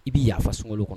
I bɛ yafa so kɔnɔ